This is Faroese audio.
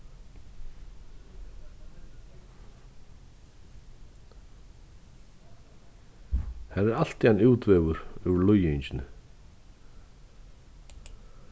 har er altíð ein útvegur úr líðingini